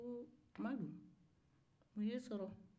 madu mun y'e sɔrɔ